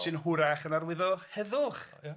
sy'n hwyrach yn arwyddo heddwch